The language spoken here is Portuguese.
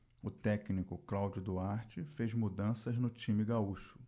o técnico cláudio duarte fez mudanças no time gaúcho